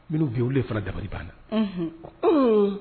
Minnu be yen, olu de fana dabali banna . Unhun